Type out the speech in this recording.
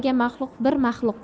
hamma maxluq bir maxluq